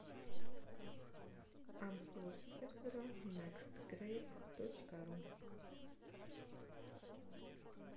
обзор сервера next grave точка ру